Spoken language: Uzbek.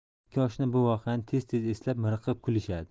ikki oshna bu voqeani tez tez eslab miriqib kulishadi